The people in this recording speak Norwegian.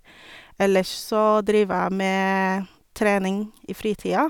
Ellers så driver jeg med trening i fritida.